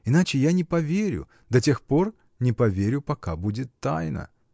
Иначе я не поверю, до тех пор не поверю, пока будет тайна.